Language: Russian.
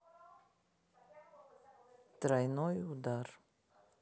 тройной удар